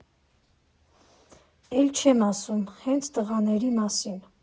֊ Էլ չեմ ասում հենց տղաների մասին.